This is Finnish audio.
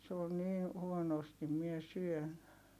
se on niin huonosti minä syön